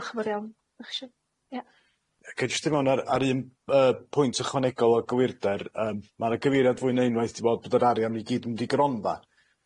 Diolch yn fowr iawn. Dach chi isio? Ie. Yy ca'l jyst i fewn ar ar un yy pwynt ychwanegol o gywirder yym ma' na gyfeiriad fwy na unwaith t'wod bod yr arian i gyd yn mynd i gronfa.